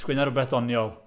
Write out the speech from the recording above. Sgwenna rywbeth doniol.